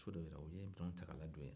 a ye so dɔ jira u ye minɛn ta ka don ye